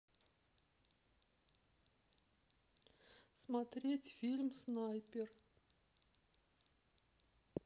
смотреть фильм снайпер